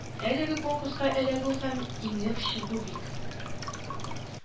Әлеге конкурска эләгү һәм иңеп чыгу бик